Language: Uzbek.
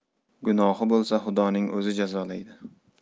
gunohi bo'lsa xudoning o'zi jazolaydi